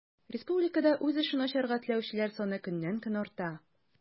Республикада үз эшен ачарга теләүчеләр саны көннән-көн арта.